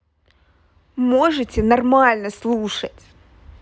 можете нормально слушать